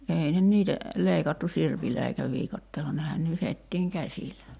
ei ne niitä leikattu sirpillä eikä viikatteella nehän nyhdettiin käsillä